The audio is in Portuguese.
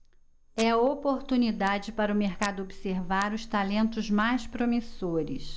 é a oportunidade para o mercado observar os talentos mais promissores